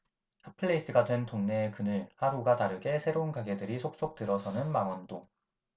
핫 플레이스가 된 동네의 그늘 하루가 다르게 새로운 가게들이 속속 들어서는 망원동